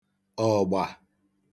ọ̀gbà